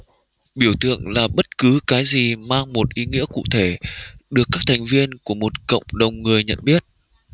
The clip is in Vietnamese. biểu tượng là bất cứ cái gì mang một ý nghĩa cụ thể được các thành viên của một cộng đồng người nhận biết